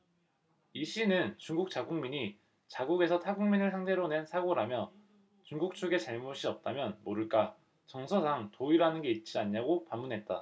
이씨는 중국 자국민이 자국에서 타국민을 상대로 낸 사고라며 중국 측의 잘못이 없다면 모를까 정서상 도의라는 게 있지 않냐고 반문했다